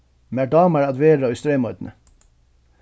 mær dámar at vera í streymoynni